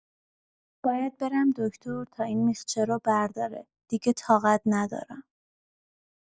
باید برم دکتر تا این میخچه رو برداره، دیگه طاقت ندارم!